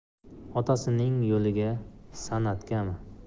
otasining yo'liga san'atgami